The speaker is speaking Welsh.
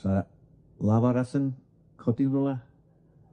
'Sa law arall yn codi rywle?